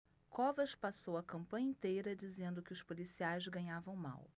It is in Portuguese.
covas passou a campanha inteira dizendo que os policiais ganhavam mal